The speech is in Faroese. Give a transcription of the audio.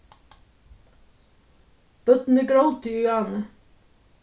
børnini grótu í áðni